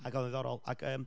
Ac oedd yn ddiddorol. Ac yym.